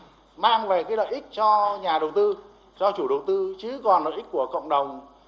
mang về cái lợi ích cho nhà đầu tư cho chủ đầu tư chứ còn lợi ích của cộng đồng